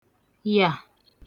yà